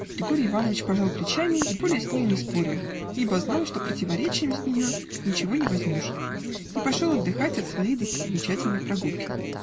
Григорий Иванович пожал плечами и более с нею не спорил, ибо знал, что противоречием с нее ничего не возьмешь, и пошел отдыхать от своей достопримечательной прогулки.